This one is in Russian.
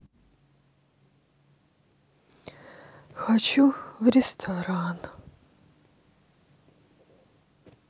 хочу в ресторан